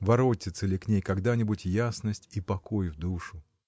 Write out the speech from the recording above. Воротится ли к ней когда-нибудь ясность и покой в душу?